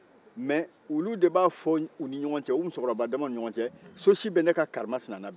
mais olu de u ni ɲɔgɔn cɛ o musokɔrɔ dama ni ɲɔgɔn cɛ